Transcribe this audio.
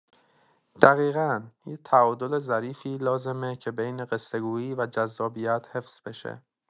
دقیقا، یه تعادل ظریفی لازمه که بین قصه‌گویی و جذابیت حفظ بشه.